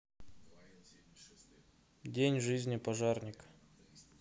день жизни пожарника